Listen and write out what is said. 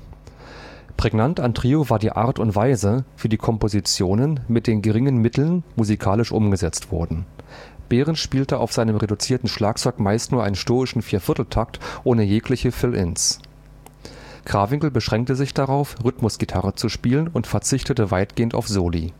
Prägnant an Trio war die Art und Weise, wie die Kompositionen mit den geringen Mitteln musikalisch umgesetzt wurden. Behrens spielte auf seinem reduzierten Schlagzeug meist nur einen stoischen 4/4-Takt ohne jegliche Fill-Ins. Krawinkel beschränkte sich darauf, Rhythmus-Gitarre zu spielen, und verzichtete weitgehend auf Soli